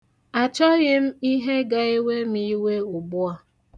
Achọghị m ihe ga-ewe m iwe ugbu a.